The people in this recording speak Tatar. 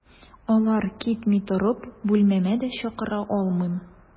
Алар китми торып, бүлмәмә дә чакыра алмыйм.